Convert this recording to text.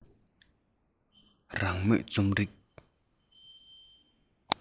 རང མོས རྩོམ རིག